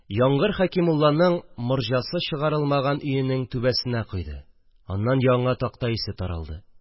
Яңгыр Хәкимулланың морҗасы чыгарылмаган өенең түбәсенә койды – аннан яңа такта исе таралды